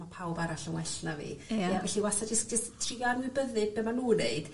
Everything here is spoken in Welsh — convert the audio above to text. ma' pawb arall yn well na fi. Ia. Ia felly wastad jys jys tria anwybyddu be' ma' n'w yn neud